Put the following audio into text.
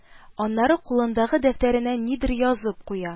Аннары кулындагы дәфтәренә нидер язып куй